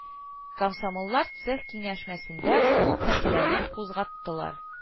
Комсомоллар цех киңәшмәсендә ул мәсьәләне кузгаттылар